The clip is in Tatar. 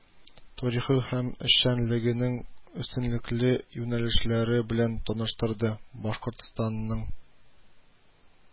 Тарихы һәм эшчәнлегенең өстенлекле юнәлешләре белән таныштырды, башкортстанның